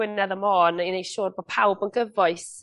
Gwynedd a Môn i neu' siŵr bo' pawb yn gyfoes